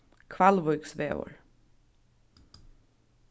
hvalvíksvegur